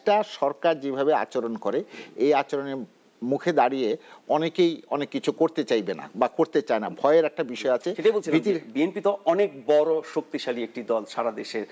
চেষ্টা সরকার যেভাবে আচরণ করে এ আচরণের মুখে দাঁড়িয়ে অনেকে অনেক কিছু করতে চাইবে না বা করতে চায় না ভয়ের একটা বিষয় আছে ভীতির সেটাই বলছিলাম যে বিএনপি তো অনেক বড় শক্তিশালী একটা দল সারাদেশের